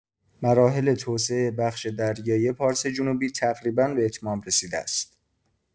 مراحل توسعه بخش دریایی پارس جنوبی تقریبا به اتمام رسیده است.